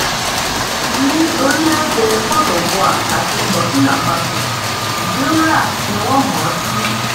Ní orílẹ̀-èdè Cote d'Ivoire àti Burkina Faso, Dioula ni wọ́n mọ̀ ọ́ sí.